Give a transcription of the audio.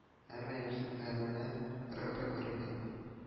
Әмма ямьсезләнүне берәү дә күрми